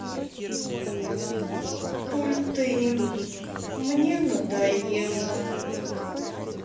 пульты мне надоело